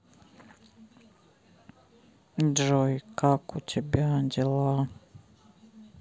джой как у тебя дела